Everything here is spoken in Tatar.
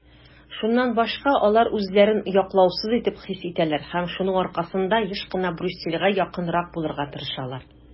Шуннан башка алар үзләрен яклаусыз итеп хис итәләр һәм шуның аркасында еш кына Брюссельгә якынрак булырга тырышалар.